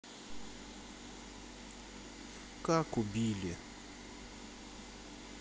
как убили